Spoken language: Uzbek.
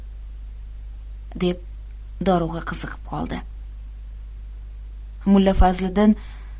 deb dorug'a qiziqib qoldi